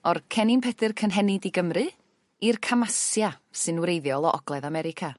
O'r cennin pedyr cynhennid i Gymru i'r Camasia sy'n wreiddiol o ogledd America.